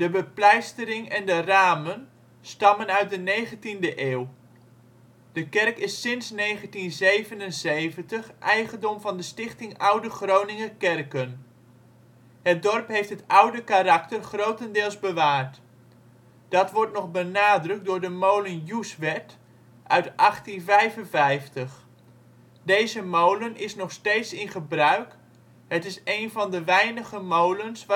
bepleistering en de ramen stammen uit de 19e eeuw. De kerk is sinds 1977 eigendom van de Stichting Oude Groninger Kerken. Het dorp heeft het oude karakter grotendeels bewaard. Dat wordt nog benadrukt door de molen Joeswert uit 1855. Deze molen is nog steeds in gebruik, het is een van de weinige molens